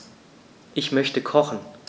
Ich möchte kochen.